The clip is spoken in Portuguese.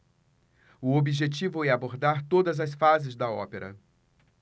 o objetivo é abordar todas as fases da ópera